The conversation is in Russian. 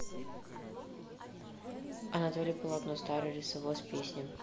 анатолий полотно старые лесовоз песня